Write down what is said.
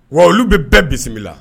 Wa olu bɛ bɛɛ bisimila